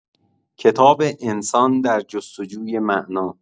کتاب انسان در جستجوی معنا